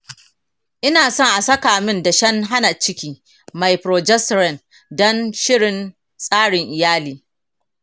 ina son a saka min dashen hana ciki mai progesterone don shirin tsarin iyali.